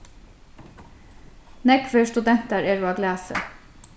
nógvir studentar eru á glasi